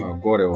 waaw goore waay